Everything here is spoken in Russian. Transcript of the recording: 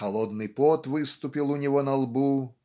Холодный пот выступил у него на лбу".